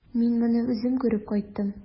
Мин моны үзем күреп кайттым.